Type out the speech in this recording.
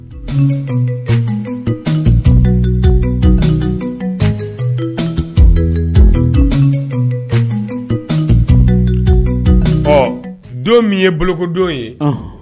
Don min ye bolokodon ye